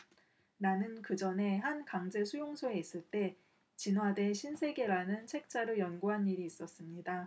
나는 그전에 한 강제 수용소에 있을 때 진화 대 신세계 라는 책자를 연구한 일이 있었습니다